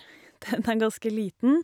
Den er ganske liten.